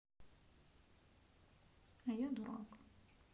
а я дурак